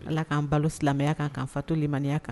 Ala k'an balo silamɛya kan kaan fatolimaniya kan